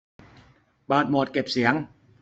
เปิดโหมดเก็บเสียง